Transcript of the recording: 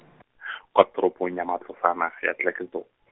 kwa toropong ya Matlosana, ya Klerksdorp.